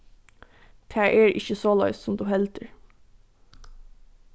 tað er ikki soleiðis sum tú heldur